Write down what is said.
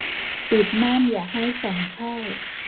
ปิดม่านอย่าให้แสงเข้า